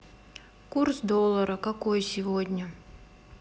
курс доллара какой сегодня